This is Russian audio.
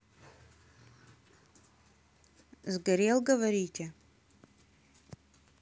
сгорел говорите